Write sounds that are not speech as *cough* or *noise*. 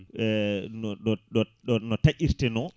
*hesitation* no ɗo ɗo ɗo no taƴirte no